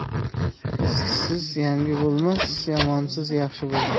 eskisiz yangi bo'lmas yomonsiz yaxshi bo'lmas